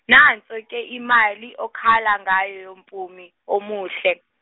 nanso ke imali okhala ngayo Mpumi omuhle.